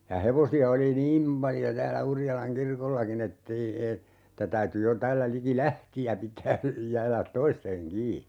ja hevosia oli niin paljon täällä Urjalan kirkollakin että ei - että täytyi jo täällä liki Lähtiä pitää jäädä toisten kiinni